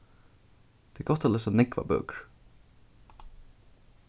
tað er gott at lesa nógvar bøkur